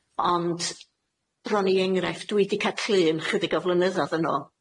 ond, rown i enghraifft. Dwi 'di ca'l clun yn chydig o flynyddoedd yn ôl.